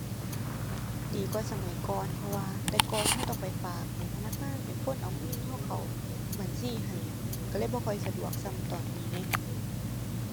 ดีกว่าสมัยก่อน เพราะว่าแต่ก่อนเราต้องไปฝากให้ธนาคารเป็นคนเอาเงินเราเข้าบัญชีให้อะ เราเลยบ่ค่อยสะดวกส่ำตอนนี้ไง